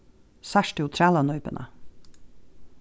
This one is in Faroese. sært tú trælanípuna